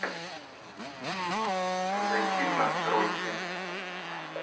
зайти в настройки